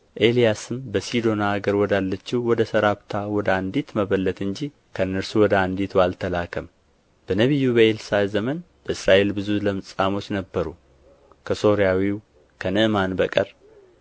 ኤልያስም በሲዶና አገር ወዳለች ወደ ሰራፕታ ወደ አንዲት መበለት እንጂ ከእነርሱ ወደ አንዲቱ አልተላከም በነቢዩ በኤልሳዕ ዘመንም በእስራኤል ብዙ ለምጻሞች ነበሩ ከሶርያዊው ከንዕማን በቀር